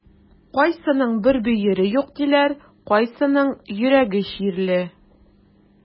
Кайсының бер бөере юк диләр, кайсының йөрәге чирле.